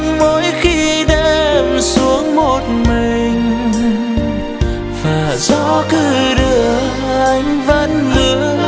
mỗi khi đêm xuống một mình và gió cứ đưa anh vẫn mưa